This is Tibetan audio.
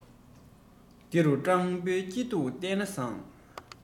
འདི རུ སྤྲང པོའི སྐྱིད སྡུག བལྟས པ བཟང